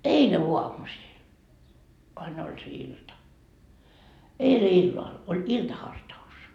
eilen aamusilla vain oli se ilta eilen illalla oli iltahartaus